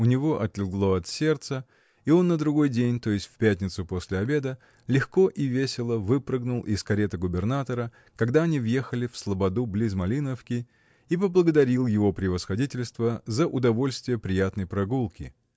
У него отлегло от сердца, и он на другой день, то есть в пятницу после обеда, легко и весело выпрыгнул из кареты губернатора, когда они въехали в слободу близ Малиновки, и поблагодарил его превосходительство за удовольствие приятной прогулки.